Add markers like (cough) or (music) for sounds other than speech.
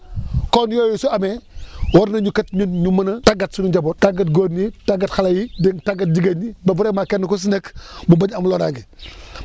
(noise) kon yooyu su amee (breath) war nañu kat ñun ñu mën a tàggat suñu njaboot tàggat góor ñi tàggat xale yi dégg nga tàggat jigéen ñi ba vraiment kenn ku si nekk (breath) mu bañ a am loraange (breath)